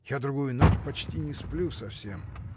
Я другую ночь почти не сплю совсем.